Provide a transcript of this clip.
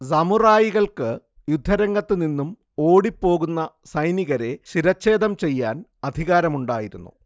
സമുറായികൾക്ക് യുദ്ധരംഗത്തുനിന്നും ഓടിപ്പോകുന്ന സൈനികരെ ശിരഛേദം ചെയ്യാൻ അധികാരമുണ്ടായിരുന്നു